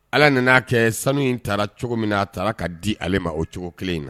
Allah nana'kɛ sanu in taara cogo min na, a ta la ka'di ale ma o cogo kelen in na.